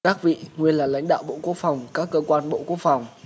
các vị nguyên là lãnh đạo bộ quốc phòng các cơ quan bộ quốc phòng